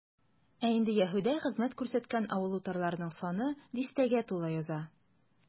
Ә инде Яһүдә хезмәт күрсәткән авыл-утарларның саны дистәгә тула яза.